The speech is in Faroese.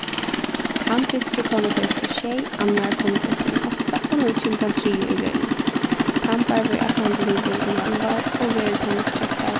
tann fyrsti kom í tvey túsund og sjey annar kom í tvey túsund og átta og nú kemur tann triði í røðini tambar verður ætlandi liðugur í januar og verður tað nýggjasta